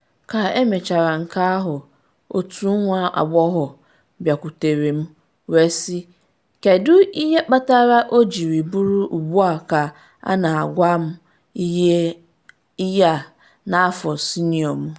‘Ka emechara nke ahụ otu nwa agbọghọ biakwutere m nwee sị: ‘Kedu ihe kpatara o jiri bụrụ ugbu a ka a na-agwa m ihe a, n’afọ senịọ m?’